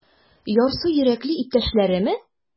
Ярсу йөрәкле иптәшләреме?